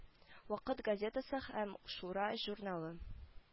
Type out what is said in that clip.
Вакыт газетасы һәм шура журналы